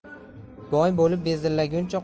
boy bo'lib bezillaguncha